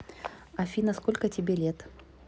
афина сколько тебе лет